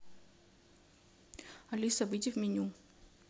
алиса выйди в меню